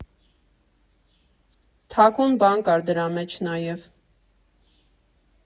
Թաքուն բան կար դրա մեջ նաև։